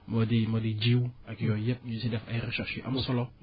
moo di moo di jiwu ak yooyu yépp di si def ay recherches yu am solo